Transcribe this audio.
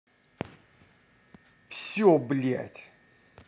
все блядь